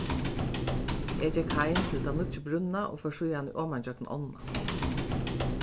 eg gekk heim til ta nýggju brúnna og fór síðani oman ígjøgnum ánna